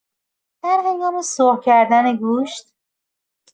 در هنگام سرخ کردن گوشت